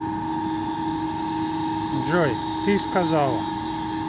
джой ты сказала